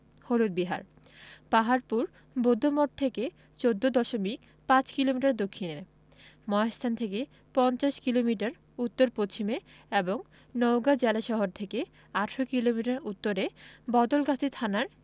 হলুদ বিহার পাহাড়পুর বৌদ্ধমঠ থেকে ১৪দশমিক ৫ কিলোমিটার দক্ষিণে মহাস্থান থেকে পঞ্চাশ কিলোমিটার উত্তর পশ্চিমে এবং নওগাঁ জেলাশহর থেকে ১৮ কিলোমিটার উত্তরে বদলগাছি থানার